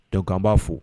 To an b'a fo